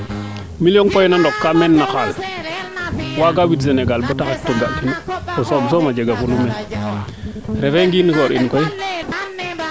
million pedne na ɗoka meen no xaal waaga wid Senegal fop bata xet to ga kino o sooɓ soom a jega fulu meen refe ngiin ngoor in koy